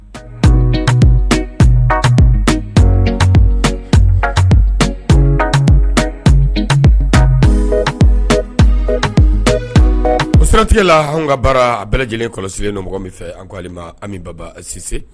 O siratigɛ la an ka baara a bɛɛ lajɛlen kɔlɔsi ni mɔgɔ min fɛ an ni baba sise